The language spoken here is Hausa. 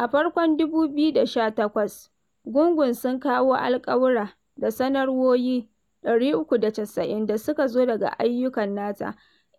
A farkon 2018, gungun sun kawo alƙawura da sanarwowi 390 da suka zo daga ayyukan nata,